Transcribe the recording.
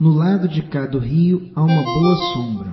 no lado de cá do rio há uma boa sombra